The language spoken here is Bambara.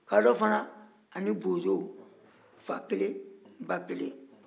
kaadɔ fana ani bozo fa kelen ba kelen